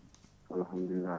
alahamdulillah